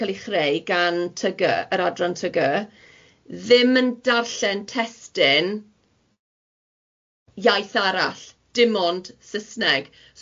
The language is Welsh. cael ei chreu gan ty gy, yr adran ty gy, ddim yn darllen testyn iaith arall, dim ond Susneg.